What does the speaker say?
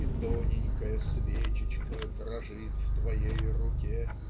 И тоненькая свечечка дрожит в твоей руке.